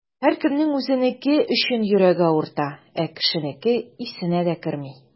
Һәркемнең үзенеке өчен йөрәге авырта, ә кешенеке исенә дә керми.